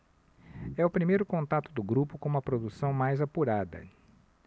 é o primeiro contato do grupo com uma produção mais apurada